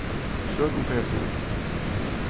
søk um ferðastuðul